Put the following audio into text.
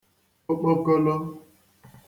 okpokolo